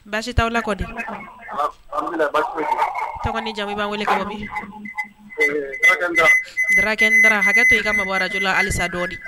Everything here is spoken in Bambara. Baasi t' lakɔ di tɔgɔ jaban wele kɛ bi dakɛ n da hakɛtɛ i ka mabɔjɔla halisa dɔɔnin